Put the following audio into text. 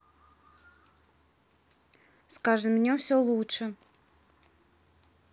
с каждым днем все лучше